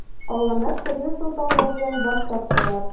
Калганнар төрле сылтаулар белән баш тарттылар.